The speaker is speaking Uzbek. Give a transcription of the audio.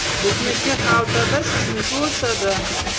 bizniki xaltada sizniki o'rtada